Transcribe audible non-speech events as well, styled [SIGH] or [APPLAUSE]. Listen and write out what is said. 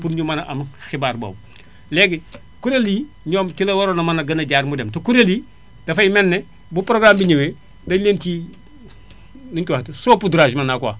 pour ñu mën a am xibaar boobu [SMACKS LIPS] léegi kuréel yi ñoom ci la waroon a gën a jaar mu dem te kuréel yi dafay mel ne bu programme [NOISE] bi ñëwee dañu leen ciy [HESITATION] nuñu koy waxee ti saupoudrage mën naa ko wax